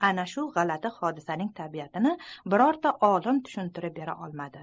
ana shu galati hodisaning tabiatini birorta olim tushuntirib bera olmadi